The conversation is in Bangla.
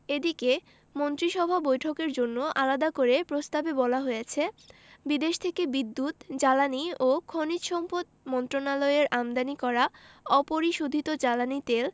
এদিকে মন্ত্রিসভা বৈঠকের জন্য আলাদা করে প্রস্তাবে বলা হয়েছে বিদেশ থেকে বিদ্যুৎ জ্বালানি ও খনিজ সম্পদ মন্ত্রণালয়ের আমদানি করা অপরিশোধিত জ্বালানি তেল